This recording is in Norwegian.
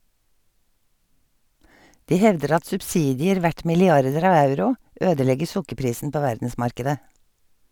De hevder at subsidier verdt milliarder av euro ødelegger sukkerprisen på verdensmarkedet.